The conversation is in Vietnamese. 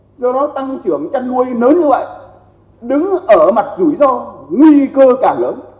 do đó tăng trưởng chăn nuôi lớn như vậy đứng ở mặt rủi ro nguy cơ càng lớn